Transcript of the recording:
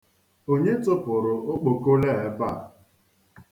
Onye tụpụrụ okpokolo a ebe a?